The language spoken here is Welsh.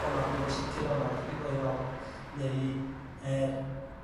o na dwi'n ansicir yn fama raid i ddo' i lawr, neu yrr